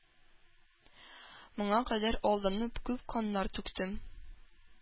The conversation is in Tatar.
Моңа кадәр алданып, күп каннар түктем;